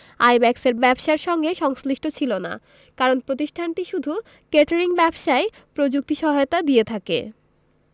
আইব্যাকসের ব্যবসার সঙ্গে সংশ্লিষ্ট ছিল না কারণ প্রতিষ্ঠানটি শুধু কেটারিং ব্যবসায় প্রযুক্তি সহায়তা দিয়ে থাকে